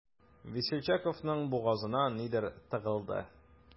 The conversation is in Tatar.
Весельчаковның бугазына нидер тыгылды.